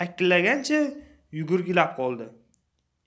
akillagancha yugurgilab qoldi